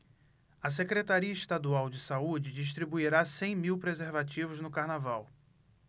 a secretaria estadual de saúde distribuirá cem mil preservativos no carnaval